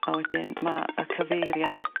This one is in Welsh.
A wedyn ma' y cyfeiriad